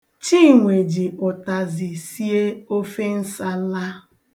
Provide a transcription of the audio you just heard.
Chinwe ji ụtazị sie ofe nsala.